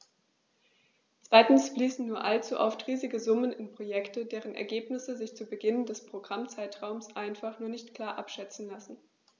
Zweitens fließen nur allzu oft riesige Summen in Projekte, deren Ergebnisse sich zu Beginn des Programmzeitraums einfach noch nicht klar abschätzen lassen.